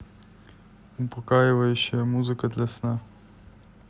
успокаивающая музыка для сна